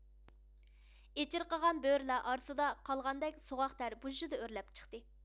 ئېچىرقىغان بۆرىلەر ئارىسىدا قالغاندەك سوغۇق تەر بۇژژىدە ئۆرلەپ چىقتى